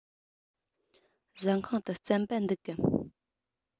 ཟ ཁང དུ རྩམ པ འདུག གམ